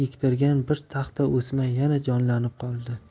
ektirgan bir taxta o'sma yana jonlanib qoldi